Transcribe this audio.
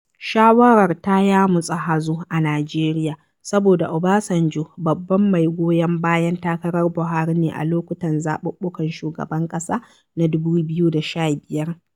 Shawarar ta yamutsa hazo a Najeriya saboda Obasanjo babban mai goyon bayan takarar Buhari ne a lokutan zaɓuɓɓukan shugaban ƙasa na 2015.